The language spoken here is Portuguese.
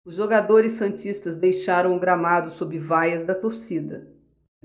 os jogadores santistas deixaram o gramado sob vaias da torcida